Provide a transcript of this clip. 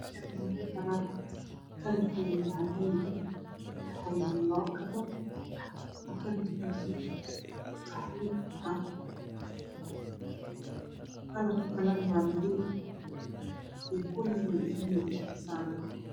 Meshaan wa mel babana ah kalarkeedu uu cadan yahay waxa yalo lapao kabo oo kalakiiso qaxwi aha kalarkana wa amadow iyo kuul yaroo dahpi dusha kasaran tahy